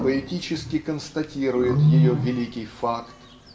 поэтически констатирует ее великий факт